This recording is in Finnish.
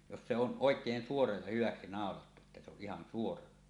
jos se on oikein suora ja hyväksi naulattu että se on ihan suora